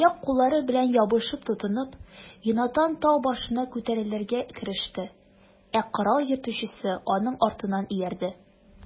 Аяк-куллары белән ябышып-тотынып, Йонатан тау башына күтәрелергә кереште, ә корал йөртүчесе аның артыннан иярде.